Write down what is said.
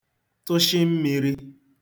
tụshị mmīrī